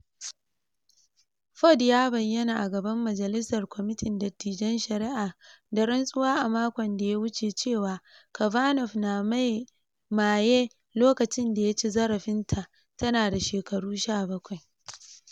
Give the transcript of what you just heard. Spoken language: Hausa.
Ford ya bayyana a gaban Majalisar kwamitin Dattijan Shari'a da rantsuwa a makon da ya wuce cewa Kavanaugh na maye lokacin da yaci zarafinta tana da shekaru 17.